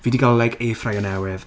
Fi 'di cael like air fryer newydd.